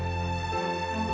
hông